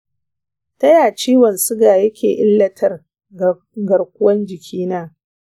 ta ya ciwon siga yake illatar garguwan jiki na?